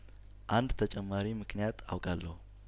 አንድ ተጨማሪ ምክንያት አውቃለሁ